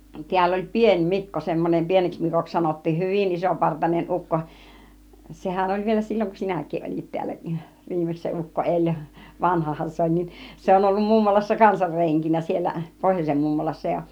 täällä oli Pieni Mikko semmoinen pieneksi Mikoksi sanottiin hyvin isopartainen ukko sehän oli vielä silloin kun sinäkin olit täällä viimeksi se ukko eli vanhahan se oli niin se on ollut mummolassa kanssa renkinä siellä pohjoisen mummolassa ja